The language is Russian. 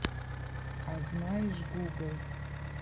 а знаешь google